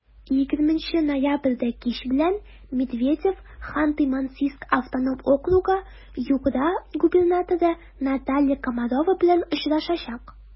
20 ноябрьдә кич белән медведев ханты-мансийск автоном округы-югра губернаторы наталья комарова белән очрашачак.